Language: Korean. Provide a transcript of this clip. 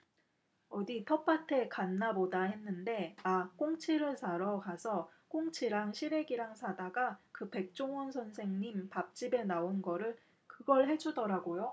어디 텃밭에 갔나보다 했는데 아 꽁치를 사러 가서 꽁치랑 시래기랑 사다가 그 백종원 선생님 밥집에 나온 거를 그걸 해주더라고요